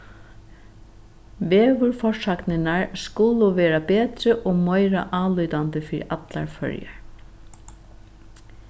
veðurforsagnirnar skulu vera betri og meira álítandi fyri allar føroyar